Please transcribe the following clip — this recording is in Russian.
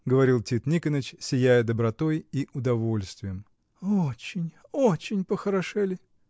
— говорил Тит Никоныч, сияя добротой и удовольствием. — Очень, очень похорошели!